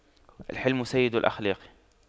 الحِلْمُ سيد الأخلاق